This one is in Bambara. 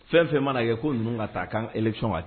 Fɛn fɛn manaa kɛ ko ninnuunu ka taa a ka efi ka